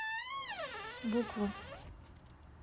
букву